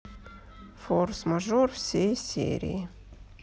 форс мажор все серии